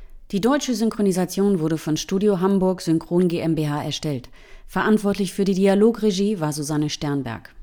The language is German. Die deutsche Synchronisation wurde von Studio Hamburg Synchron GmbH erstellt. Verantwortlich für die Dialogregie war Susanne Sternberg